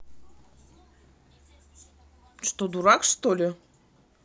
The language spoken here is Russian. что дурак что ли